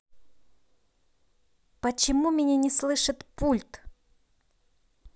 почему меня не слышит пульт